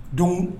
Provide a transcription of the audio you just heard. Donc